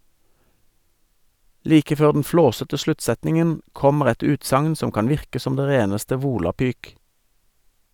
Like før den flåsete sluttsetningen, kommer et utsagn som kan virke som det reneste volapyk.